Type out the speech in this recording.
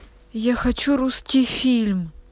я хочу русский фильм